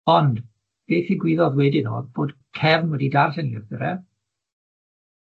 Ond beth ddigwyddodd wedyn o'dd bod Cefn wedi darllen 'i lythyr e,